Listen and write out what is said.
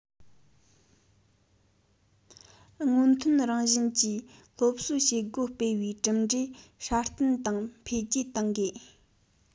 སྔོན ཐོན རང བཞིན གྱི སློབ གསོའི བྱེད སྒོ སྤེལ བའི གྲུབ འབྲས སྲ བརྟན དང འཕེལ རྒྱས གཏོང དགོས